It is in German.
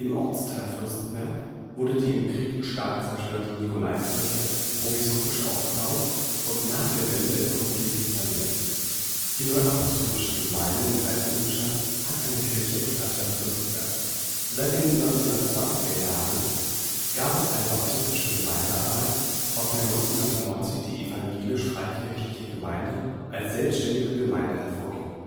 Ortsteil Fürstenberg wurde die im Krieg stark zerstörte Nikolaikirche provisorisch aufgebaut und nach der Wende grundlegend saniert. Die neuapostolische Gemeinde in Eisenhüttenstadt hat eine Kirche im Stadtteil Fürstenberg. Seit den 1920er Jahren gab es eine baptistische Gemeindearbeit, aus der 1990 die Evangelisch-Freikirchliche Gemeinde als selbstständige Gemeinde hervorging